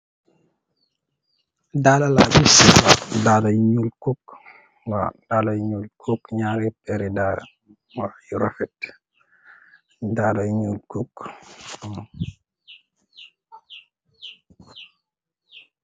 Daalë laa gis, daala yu ñuul kuc, waaw, daala yu ñuulnl kuc. Ñaari pèri dalë yu rafet.